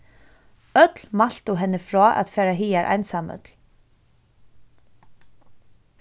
øll mæltu henni frá at fara hagar einsamøll